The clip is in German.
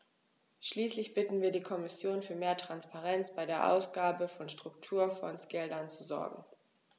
Schließlich bitten wir die Kommission, für mehr Transparenz bei der Ausgabe von Strukturfondsgeldern zu sorgen.